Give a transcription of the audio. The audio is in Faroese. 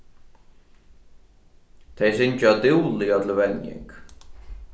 tey syngja dúgliga til venjing